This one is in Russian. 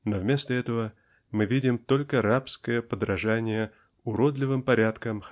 Но вместо этого мы видим только рабское подражание уродливым порядкам